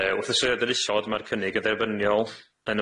Yy wrth ysyried yr isod ma'r cynnig yn dderbyniol yn